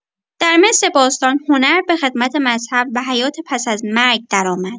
در مصر باستان هنر به خدمت مذهب و حیات پس از مرگ درآمد.